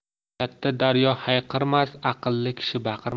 katta daryo hayqirmas aqlli kishi baqirmas